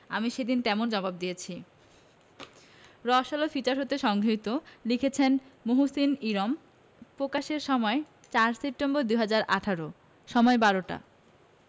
আমি সেদিন তেমন জবাব দিয়েছি রসআলো ফিচার হতে সংগৃহীত লিখেছেনঃ মুহসিন ইরম প্রকাশের সময়ঃ ৪ সেপ্টেম্বর ২০১৮ সময়ঃ ১২টা